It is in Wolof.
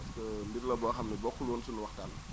parce que mbir la boo xam ne bokkul woon suñu waxtaan